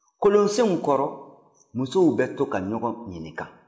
kolonsenw kɔrɔ musow bɛ to ka ɲɔgɔn ɲininka